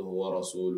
A waraso la